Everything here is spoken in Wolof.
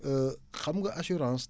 xam nga assurance